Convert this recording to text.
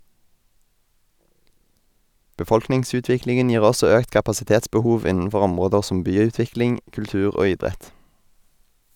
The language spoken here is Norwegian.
Befolkningsutviklingen gir også økt kapasitetsbehov innenfor områder som byutvikling, kultur og idrett.